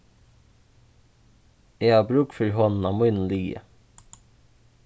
eg havi brúk fyri honum á mínum liði